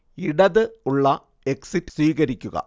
ഇടത് ഉള്ള എക്സിറ്റ് സ്വീകരിക്കുക